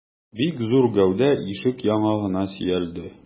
Бик зур гәүдә ишек яңагына сөялде.